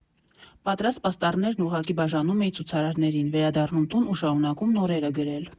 Պատրաստ պաստառներն ուղղակի բաժանում էի ցուցարարներին, վերադառնում տուն ու շարունակում նորերը գրել։